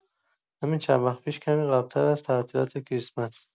همین چند وقت پیش، کمی قبل‌‌تر از تعطیلات کریسمس